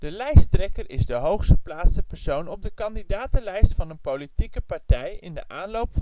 lijsttrekker is de hoogst geplaatste persoon op de kandidatenlijst van een politieke partij in de aanloop